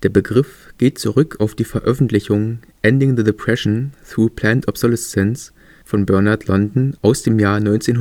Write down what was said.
Begriff geht zurück auf die Veröffentlichung Ending the Depression Through Planned Obsolescence von Bernard London aus dem Jahr 1932